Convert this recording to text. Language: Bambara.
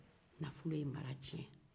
nafolo ye mara tiɲɛ